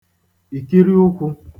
ìkiriụkwụ̄